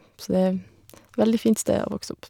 Så det er veldig fint sted å vokse opp.